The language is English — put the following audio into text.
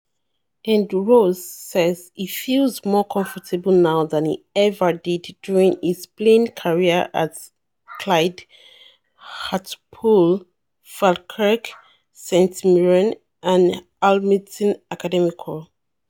And Ross says he feels more comfortable now than he ever did during his playing career at Clyde, Hartlepool, Falkirk, St Mirren and Hamilton Academical.